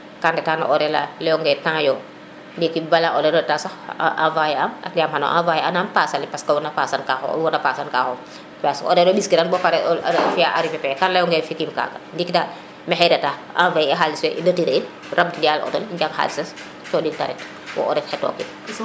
ka ndeta no horaire la leyeonge temps yo ndiki bala o reta sax o envoyer am yam xanpo envoyer nama passe ale parce que wona passe an ka xoxof parce horaire ole mbis kiran bo pare o fiya arriver payer um leyoŋe fi kim kaga ndiki dal maxey reta envoyer i xalis fe im retirer in rabid yalo auto le jang xalises coɗin te ret wo o ret xetokin